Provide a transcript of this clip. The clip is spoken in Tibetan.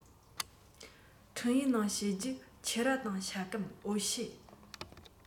འཕྲིན ཡིག ནང བཤད རྒྱུར ཕྱུར ར དང ཤ སྐམ འོ ཕྱེ